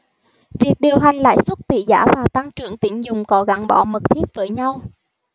việc điều hành lãi suất tỷ giá và tăng trưởng tín dụng có gắn bó mật thiết với nhau